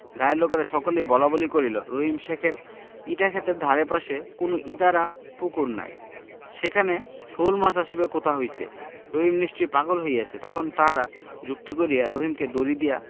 গায়ের লোকেরা সকলেই বলাবলি করিল রহিম শেখের ইটাক্ষেতের ধারে পাশে কোনো ইদারা পুকুর নাই সেখানে শোলমাছ আসিবে কোথা হইতে রহিম নিশ্চয়ই পাগল হইয়াছে তখন তাহারা যুক্তি করিয়া রহিমকে দড়ি দিয়া